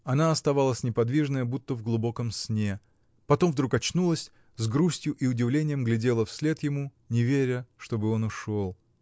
Она оставалась неподвижная, будто в глубоком сне, потом вдруг очнулась, с грустью и удивлением глядела вслед ему, не веря, чтобы он ушел.